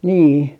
niin